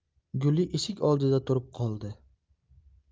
guli eshik oldida turib qoldi